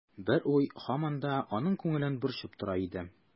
Бер уй һаман да аның күңелен борчып тора иде.